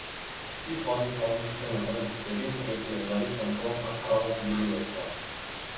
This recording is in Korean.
특히 전 전 대통령은 내빈 소개 때 여전히 전두환 각하라고 불리기도 했다